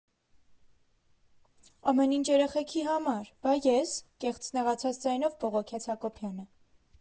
Ամեն ինչ երեխեքի համա՜ր, բա ե՞ս, ֊ կեղծ նեղացած ձայնով բողոքեց Հակոբյանը։